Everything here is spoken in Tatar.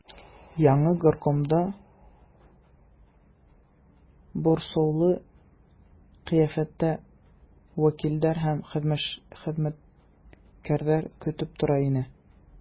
Аны горкомда борчулы кыяфәттә вәкилләр һәм хезмәткәрләр көтеп тора иде.